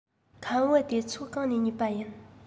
ཁམ བུ དེ ཚོ གང ནས ཉོས པ ཡིན